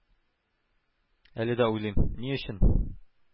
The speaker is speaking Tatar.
Әле дә уйлыйм: ни өчен